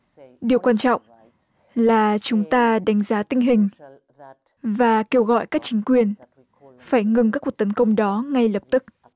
iều quan trọng là chúng ta đánh giá tình hình và kêu gọi các chính quyền phải ngừng các cuộc tấn công đó ngay lập tức